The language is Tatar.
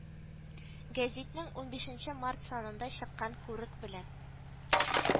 Гәзитнең унбишенче март санында чыккан Күрек белән